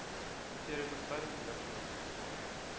Бу теорияне Сталин уйлап чыгарган,